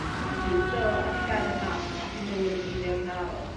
...rili do a nath 'i gerdded mas ath hi nôl i le o'n i'n aros